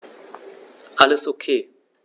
Alles OK.